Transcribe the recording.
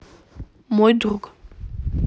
мой друг